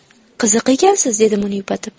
qiziq ekansiz dedim uni yupatib